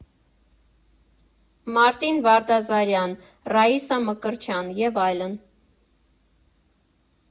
Մարտին Վարդազարյան, Ռաիսա Մկրտչյան և այլն։